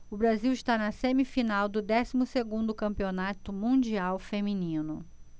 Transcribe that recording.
o brasil está na semifinal do décimo segundo campeonato mundial feminino